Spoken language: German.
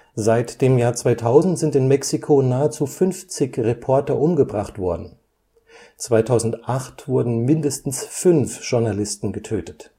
Seit 2000 sind in Mexiko nahezu 50 Reporter umgebracht worden, 2008 wurden mindestens fünf Journalisten getötet